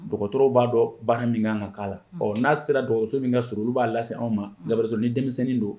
Dɔgɔtɔrɔw b'a dɔn ba min ka kan k'a la ɔ n'a sera dɔgɔso min ka s olu u b'a lase anw ma dabrison denmisɛnnin don